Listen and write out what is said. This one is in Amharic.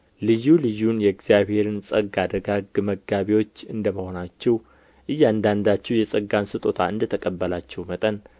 ልዩ ልዩን የእግዚአብሔርን ጸጋ ደጋግ መጋቢዎች እንደ መሆናችሁ እያንዳንዳችሁ የጸጋን ስጦታ እንደ ተቀበላችሁ መጠን